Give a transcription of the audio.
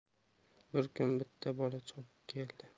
bir kuni bitta bola chopib keldi